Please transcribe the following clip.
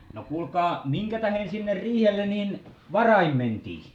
no kuulkaa minkä tähden sinne riihelle niin varhain mentiin